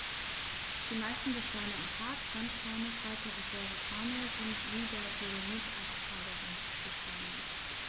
Die meisten Gesteine im Park – Sandsteine, Kalke und Verrucano – sind wie der Dolomit Ablagerungsgesteine.